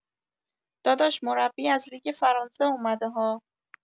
داداش مربی از لیگ فرانسه اومده ها